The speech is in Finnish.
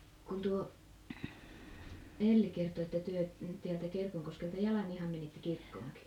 kun tuo Elli kertoi että te täältä Kerkonkoskelta jalan ihan menitte kirkkoonkin